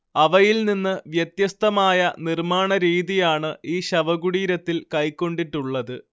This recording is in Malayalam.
അവയിൽനിന്ന് വ്യത്യസ്തമായ നിർമ്മാണരീതിയാണ് ഈ ശവകുടീരത്തിൽ കൈക്കൊണ്ടിട്ടുള്ളത്